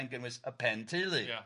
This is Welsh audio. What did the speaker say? gan gynnwys y pen teulu... Ia...